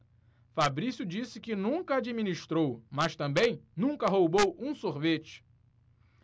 fabrício disse que nunca administrou mas também nunca roubou um sorvete